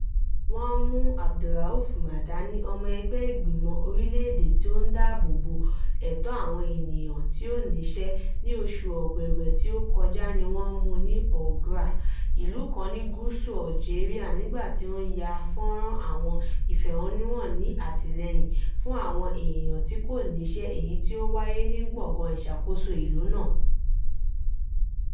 Wọ́n mú Abderaouf Madani, ọmọ ẹgbẹ́ ìgbìmọ̀ orílẹ̀-èdè tí ó ń dáàbò bo ẹ̀tọ́ àwọn èèyàn tí kò ní iṣẹ́, ní oṣù Ọ̀wẹ̀wẹ̀ tí ó kọjá ní wọ́n mu ní Ouargla, ìlú kan ní gúúsù Algeria, nígbà tí ó ń ya fọ́nràn àwọn ìfẹ̀hónúhàn ní àtìlẹ́yìn fún àwọn èèyàn tí kò ní iṣẹ́ èyí tí ó wáyé ní gbọ̀ngán ìṣàkóso ìlú náà.